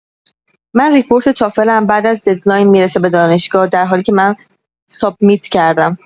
من ریپورت تافلم بعد از ددلاین می‌رسه به دانشگاه در حالیکه من سابمیت کردم!